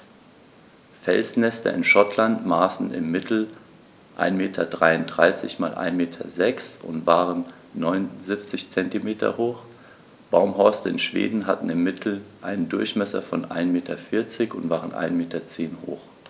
Felsnester in Schottland maßen im Mittel 1,33 m x 1,06 m und waren 0,79 m hoch, Baumhorste in Schweden hatten im Mittel einen Durchmesser von 1,4 m und waren 1,1 m hoch.